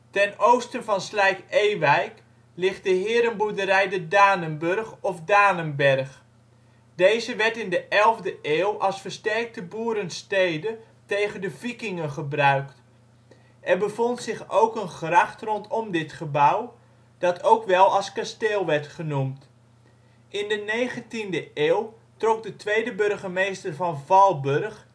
Ten oosten van Slijk-Ewijk ligt de herenboerderij De Danenburg (h) of Danenberg. Deze werd in de 11e eeuw als versterkte boerenstede tegen de vikingen gebruikt. Er bevond zich ook een gracht rondom dit gebouw, dat ook wel als kasteel werd genoemd. In de 19e eeuw trok de tweede burgemeester van Valburg